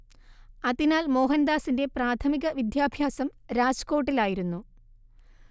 അതിനാൽ മോഹൻദാസിന്റെ പ്രാഥമിക വിദ്യാഭ്യാസം രാജ്കോട്ടിലായിരുന്നു